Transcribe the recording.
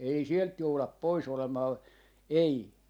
ei sieltä jouda pois olemaan ei